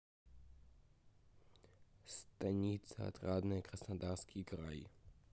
станица отрадная краснодарский край